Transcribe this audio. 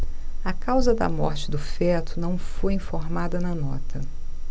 a causa da morte do feto não foi informada na nota